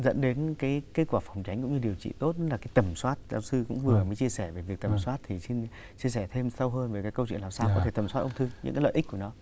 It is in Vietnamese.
dẫn đến cái kết quả phòng tránh cũng như điều trị tốt là cái tầm soát giáo sư cũng vừa mới chia sẻ về việc tầm soát thì xin chia sẻ thêm sâu hơn về cái câu chuyện làm sao có thể tầm soát ung thư những cái lợi ích của nó